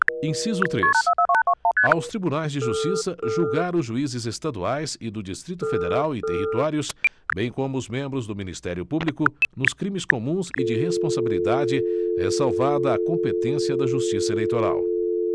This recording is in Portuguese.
inciso três aos tribunais de justiça julgar os juízes estaduais e do distrito federal e territórios bem como os membros do ministério público nos crimes comuns e de responsabilidade ressalvada a competência da justiça eleitoral